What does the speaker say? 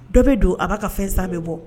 Dɔ bɛ don a b'a ka fɛn san bɛ bɔ